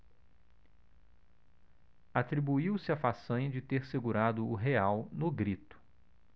atribuiu-se a façanha de ter segurado o real no grito